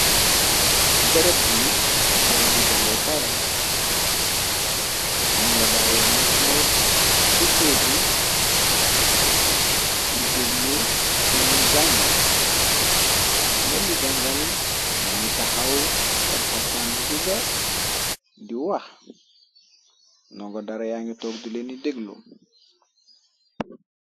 barab bi barab bi jàngoo kaayla ndongo dar yaa ngi toog ci toogu di deglu kuleendi jàngal kulendi jàngal mi ngi taxaw solxaftaan bu gudda di wax ndongo dara yaangi toog duleen di deglu